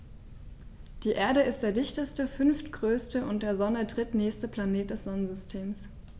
Die Erde ist der dichteste, fünftgrößte und der Sonne drittnächste Planet des Sonnensystems.